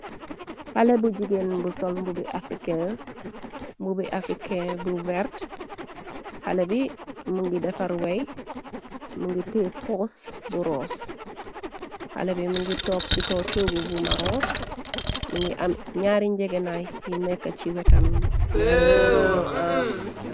pale bu jigéen bu sol mbubi africain mubi africain bu verte xalé bi më ngi defar wey mëngi te pos bu ross xale bi mëngi toog ci ko toogu bu maro mngi am ñaari njegenaay yi nekka ci wetam ñaari boori yépp